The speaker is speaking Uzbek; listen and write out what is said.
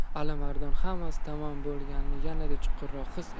alimardon hammasi tamom bo'lganini yanada chuqurroq his etdi